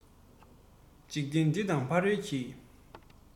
འཇིག རྟེན འདི དང ཕ རོལ གྱི